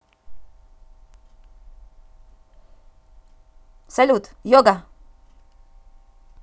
салют йога